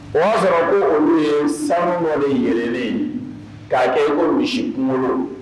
O y'a sɔrɔ ko olu ye sanuɔgɔnɔniɛlɛnlen ye k'a kɛ ko misi kunkolo